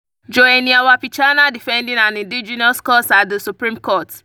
Joenia Wapichana defending an indigenous cause at the Supreme Court.